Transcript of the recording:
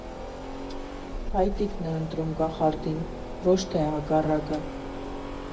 «Փայտիկն է ընտրում կախարդին, ոչ թե հակառակը».